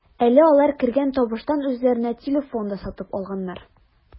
Әле алар кергән табыштан үзләренә телефон да сатып алганнар.